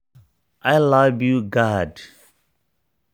I love you god!